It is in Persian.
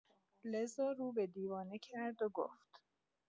لذا رو به دیوانه کرد و گفت